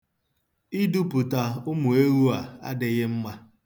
Idupụta ụmụ ewu a adịghị mma.